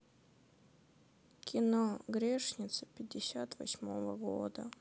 кино грешница пятьдесят восьмого года